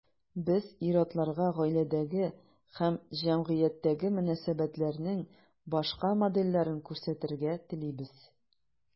Без ир-атларга гаиләдәге һәм җәмгыятьтәге мөнәсәбәтләрнең башка модельләрен күрсәтергә телибез.